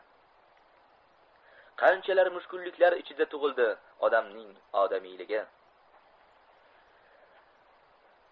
qanchalar mushkulliklar ichida tug'ildi odamning odamiyligi